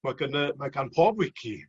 Ma' gyna ma' gan pob wici